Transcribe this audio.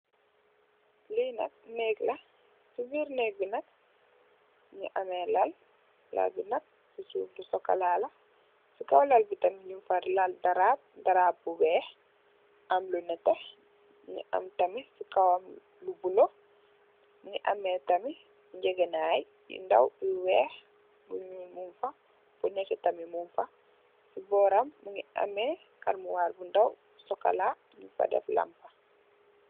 Li nak neke la ci ber neke bi nak mugi ame lal lalbi nak ci soufe socola la ci kaw lal bi njung fa lal darab wex am lu net am ci kawam lu bula am gegenai yu ndaw yu wex bu nete tamit mung fa ci boram mungi ame armuwal bu ndaw njung fa def lampa